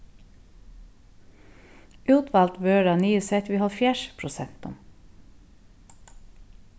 útvald vøra niðursett við hálvfjerðs prosentum